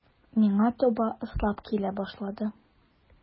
Миңа таба ыслап килә башлады.